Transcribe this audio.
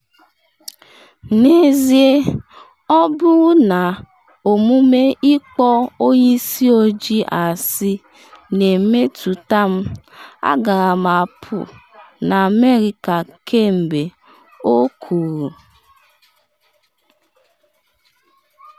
N’ezie, ọ bụrụ na omume ịkpọ onye isi ojii asị na-emetụta m, agaara m apụ na America kemgbe.” o kwuru.